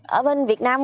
ở bên việt nam